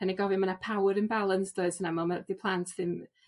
hynny i gofio ma' 'na power imbalance does yn amal ma' dyw plant ddim